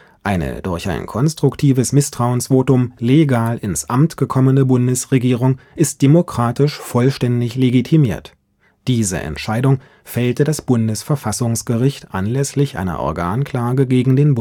Eine durch ein konstruktives Misstrauensvotum legal ins Amt gekommene Bundesregierung ist demokratisch vollständig legitimiert. Diese Entscheidung fällte das Bundesverfassungsgericht anlässlich einer Organklage gegen den